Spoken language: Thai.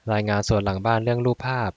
รายงานสวนหลังบ้านเรื่องรูปภาพ